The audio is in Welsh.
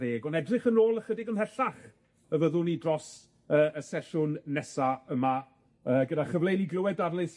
ddeg, on' edrych yn ôl ychydig ymhellach y fyddwn ni dros yy y sesiwn nesa yma, yy gyda chyfle i ni glywed darlith